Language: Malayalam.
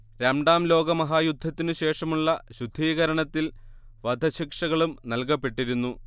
രണ്ടാം ലോക മഹായുദ്ധത്തിനു ശേഷമുള്ള ശുദ്ധീകരണത്തിൽ വധശിക്ഷകളും നൽകപ്പെട്ടിരുന്നു